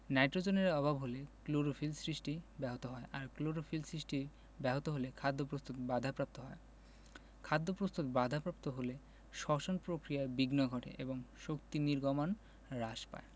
নাইট্রোজেনের অভাব হলে ক্লোরোফিল সৃষ্টি ব্যাহত হয় আর ক্লোরোফিল সৃষ্টি ব্যাহত হলে খাদ্য প্রস্তুত বাধাপ্রাপ্ত হয় খাদ্যপ্রস্তুত বাধাপ্রাপ্ত হলে শ্বসন প্রক্রিয়ায় বিঘ্ন ঘটে এবং শক্তি নির্গমন হ্রাস পায়